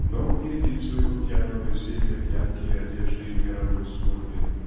но он не рядит своего пьяного веселья в яркие одежды мировой скорби.